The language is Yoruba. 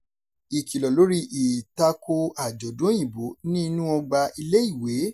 Ìkìlọ̀ lórí ìtako àjọ̀dún Òyìnbó ní inú ọgbà ilé-ìwé.